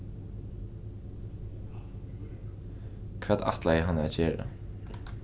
hvat ætlaði hann at gera